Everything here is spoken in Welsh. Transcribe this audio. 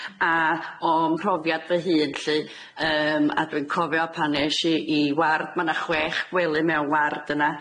A o mhrofiad fy hun lly, yym, a dwi'n cofio pan esh i i ward. Ma' 'na chwech gwely mewn ward yna.